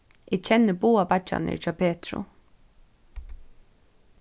eg kenni báðar beiggjarnir hjá petru